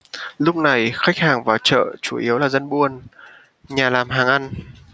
lúc này khách hàng vào chợ chủ yếu là dân buôn nhà làm hàng ăn